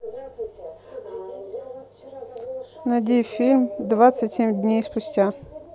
найди фильм двадцать семь дней спустя